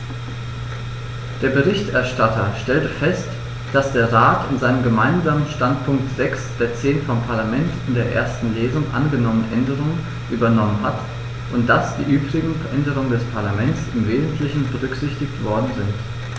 Der Berichterstatter stellte fest, dass der Rat in seinem Gemeinsamen Standpunkt sechs der zehn vom Parlament in der ersten Lesung angenommenen Änderungen übernommen hat und dass die übrigen Änderungen des Parlaments im wesentlichen berücksichtigt worden sind.